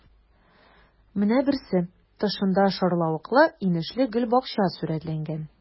Менә берсе: тышында шарлавыклы-инешле гөлбакча сурәтләнгән.